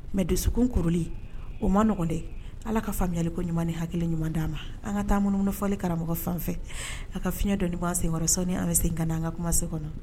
Mais dusukun kuruli o man nɔgɔn d Ala ka faamuyaliko ɲuman ni hakili ɲuman d'a ma an ka taa munumunu fɔli karamɔgɔ fan fɛ a ka fiɲɛ dɔɔni bɔ an senkɔrɔ sɔɔnin an bɛ segin ka na an ka kumaso kɔnɔ